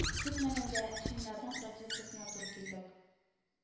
Көтмәгәндә финнарның разведкасына туры килдек